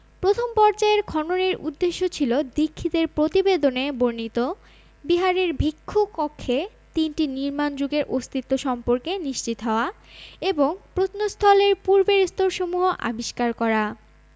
প্রথম পর্যায়ের খননের উদ্দেশ্য ছিল দীক্ষিতের প্রতিবেদনে বর্ণিত বিহারের ভিক্ষু কক্ষে তিনটি নির্মাণ যুগের অস্তিত্ব সম্পর্কে নিশ্চিত হওয়া এবং প্রত্নস্থলের পূর্বের স্তরসমূহ আবিষ্কার করা